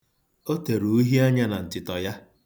O tere uhie anya na ntịtiọ ya.